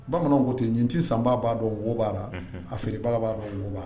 Bamananw ko tɛ n tɛ sanba b'a dɔn woba la a filiba b'a dɔn woba